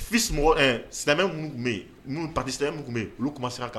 Fis silamɛmɛ minnu tun bɛ yen pa silamɛmɛ tun bɛ yen olu kuma se kan